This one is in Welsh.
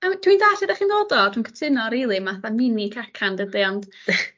A ma- dwi'n dall' lle 'dach chi'n dod o a dwi'n cytuno rili math a mini cacan dydi ond...